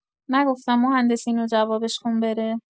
نگفتم مهندس اینو جوابش کن بره؟